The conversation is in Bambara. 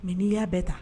Mais ni ya bɛɛ taa